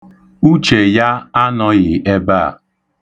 Uche ya anọghị ebe a.